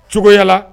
Cogoya